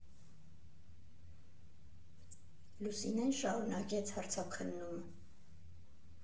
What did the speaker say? Լուսինեն շարունակեց հարցաքննումը.